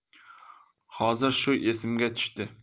hozir shu esimga tushdi